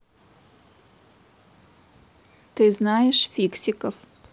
ты знаешь фиксиков